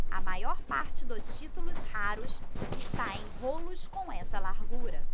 a maior parte dos títulos raros está em rolos com essa largura